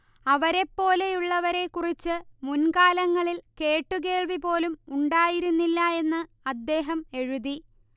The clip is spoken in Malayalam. അവരെപ്പോലെയുള്ളവരെക്കുറിച്ച് മുൻകാലങ്ങളിൽ കേട്ടുകേൾവി പോലും ഉണ്ടായിരുന്നില്ല എന്ന് അദ്ദേഹം എഴുതി